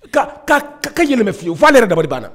ka ka ka yɛlɛma fiyewu f'ale yɛrɛ dabali banna